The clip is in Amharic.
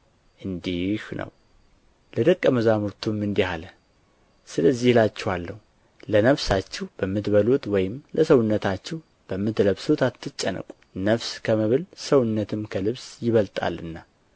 እንዲህ ነው ለደቀ መዛሙርቱም እንዲህ አለ ስለዚህ እላችኋለሁ ለነፍሳችሁ በምትበሉት ወይም ለሰውነታችሁ በምትለብሱት አትጨነቁ ነፍስ ከመብል ሰውነትም ከልብስ ይበልጣልና